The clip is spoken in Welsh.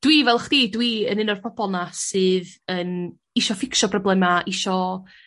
dw fel chdi dwi yn un o'r pobol 'na sydd yn isio fficsio broblema isio